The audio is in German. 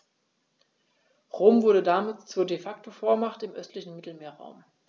Rom wurde damit zur ‚De-Facto-Vormacht‘ im östlichen Mittelmeerraum.